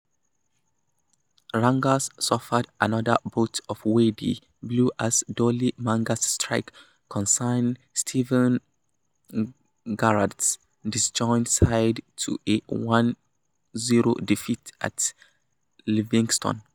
Rangers suffered another bout of away-day blues as Dolly Menga's strike consigned Steven Gerrard's disjointed side to a 1-0 defeat at Livingston.